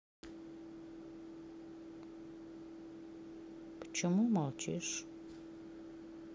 почему молчишь